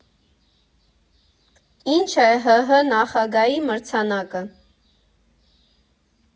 Ինչ է ՀՀ նախագահի մրցանակը։